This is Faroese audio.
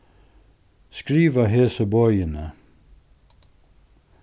skriva hesi boðini